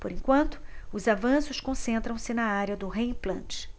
por enquanto os avanços concentram-se na área do reimplante